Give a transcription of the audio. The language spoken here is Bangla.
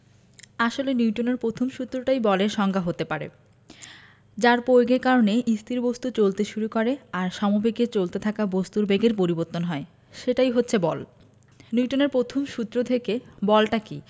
আসলে নিউটনের পথম সূত্রটাই বলের সংজ্ঞা হতে পারে যার পয়োগের কারণে স্থির বস্তু চলতে শুরু করে আর সমবেগে চলতে থাকা বস্তুর বেগের পরিবর্তন হয় সেটাই হচ্ছে বল নিউটনের পথম সূত্র থেকে বলটা কী